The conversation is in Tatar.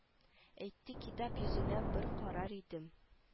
Әйтте китап йөзенә бер карар идем